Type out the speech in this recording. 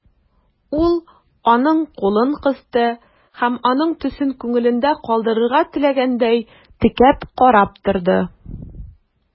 Ул аның кулын кысты һәм, аның төсен күңелендә калдырырга теләгәндәй, текәп карап торды.